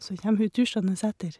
Så kjem hun tuslende etter.